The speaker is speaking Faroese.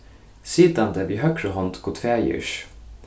sitandi við høgru hond guds faðirs